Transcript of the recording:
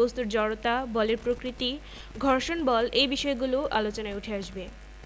বস্তু গতিশীল হয় সেটি নিয়ে কিছু বলা হয়নি